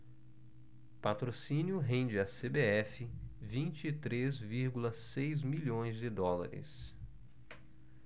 patrocínio rende à cbf vinte e três vírgula seis milhões de dólares